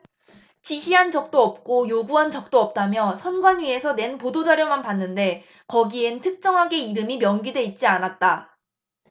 지시한 적도 없고 요구한 적도 없다며 선관위에서 낸 보도자료만 봤는데 거기엔 특정하게 이름이 명기돼 있지 않다